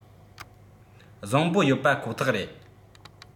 བཟང པོ ཡོད པ ཁོ ཐག རེད